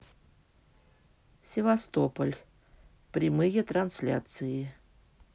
севастополь прямые трансляции